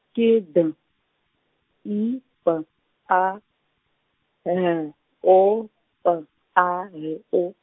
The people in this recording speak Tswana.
ke D, I P A, L, O, P A L O.